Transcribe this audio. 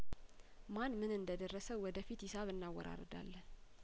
ማንምን እንደደረሰው ወደፊት ሂሳብ እናወራርዳለን